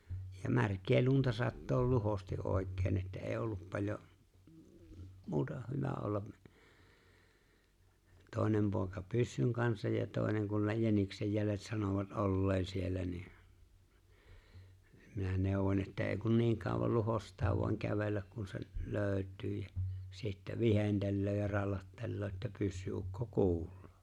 ja märkää lunta sataa luhosti oikein että ei ollut paljon muuta hyvä olla toinen poika pyssyn kanssa ja toinen kun ne jäniksen jäljet sanoivat olleen siellä niin minä neuvoin että ei kun niin kauan luhostaa vain kävellä kun se löytyy jä sitten viheltelee ja rallattelee että pyssyukko kuuluu